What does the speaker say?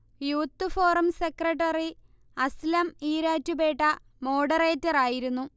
youth forum secretary Aslam Erattupetta moderator ആയിരുന്നു